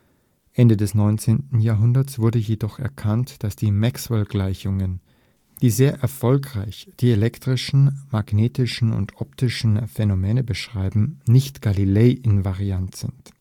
Ende des 19. Jahrhunderts wurde jedoch erkannt, dass die Maxwell-Gleichungen, die sehr erfolgreich die elektrischen, magnetischen und optischen Phänomene beschreiben, nicht Galilei-invariant sind